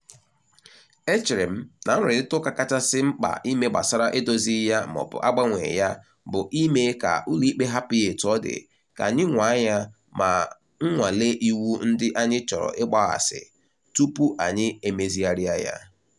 Ọzọkwa, ana m enye ọmụmaatụ nke ikpe ndị e merela nakwa ka ndị ihe meturu si bụrụ ndị na-agbasi mbọ ike n'ikpe ndị ahụ.